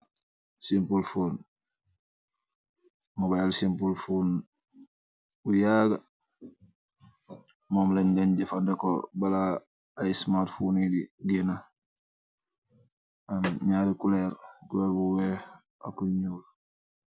Simple phone, mobile simple phone bu yaagah, mom len den jeufandikor bala iiy smart phone yii dii genah, am njaari couleur, couleur bu wekh ak yu njull.